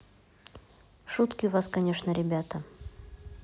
шутки у вас конечно ребята